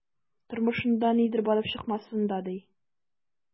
Тормышында нидер барып чыкмасын да, ди...